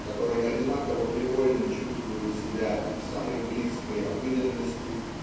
который одинаково привольно чувствует себя и в самой близкой обыденности